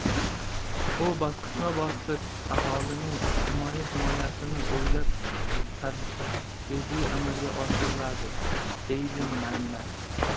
u bosqichma bosqich aholining ijtimoiy himoyasini o'ylab tadrijiy amalga oshiriladi deydi manba